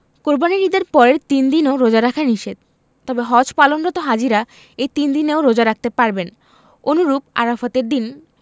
কোরবানির ঈদের পরের তিন দিনও রোজা রাখা নিষেধ তবে হজ পালনরত হাজিরা এই তিন দিনও রোজা রাখতে পারবেন অনুরূপ আরাফাতের দিন